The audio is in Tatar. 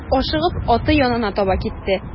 Ашыгып аты янына таба китте.